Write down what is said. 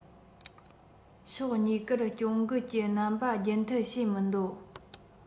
ཕྱོགས གཉིས ཀར གྱོང འགུལ གྱི རྣམ པ རྒྱུན མཐུད བྱེད མི འདོད